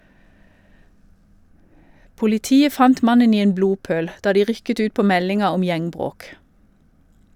Politiet fant mannen i en blodpøl da de rykket ut på meldinga om gjeng-bråk.